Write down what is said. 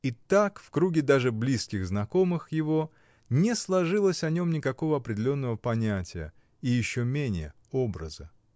Итак, в круге даже близких знакомых его не сложилось о нем никакого определенного понятия, и еще менее образа.